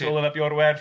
Hywel ap Iorwerth.